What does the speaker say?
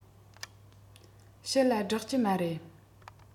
ཕྱི ལ བསྒྲགས ཀྱི མ རེད